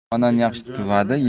yomondan yaxshi tuvadi